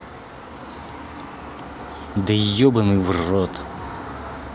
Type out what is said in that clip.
да ебаный в рот